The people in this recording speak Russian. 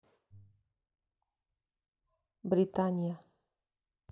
британия